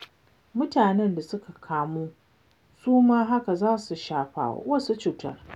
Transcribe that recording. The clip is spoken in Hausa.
Mutanen da suka kamu su ma haka za su shafa wa wasu cutar.